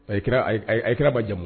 A ye kira, a ye a ye kira majamu.